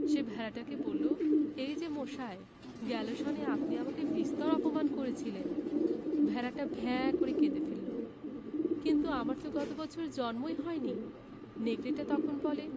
সে ভেড়াটাকে বলল এই যে মশাই গেল সনে আপনি আমাকে বিস্তর অপমান করেছিলেন ভেড়াটা ভ্যাঁ করে কেঁদে ফেলল কিন্তু আমার তো গত বছর জন্মই হয়নি নেকড়েটা তখন বলে হতে পারে